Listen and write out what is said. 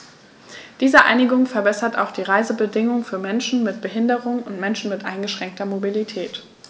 Diese Einigung verbessert auch die Reisebedingungen für Menschen mit Behinderung und Menschen mit eingeschränkter Mobilität.